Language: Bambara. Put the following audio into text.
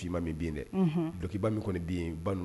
min bɛ yen dɛ. Unhun! Dulokiba min kɔnni bɛ yen banu